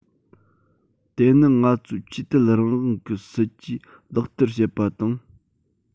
དེ ནི ང ཚོས ཆོས དད རང དབང གི སྲིད ཇུས ལག བསྟར བྱེད པ དང